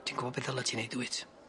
Ti'n gwbod be' ddyla ti'n neud dwyt.